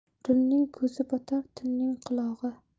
running ko'zi bor tunning qulog'i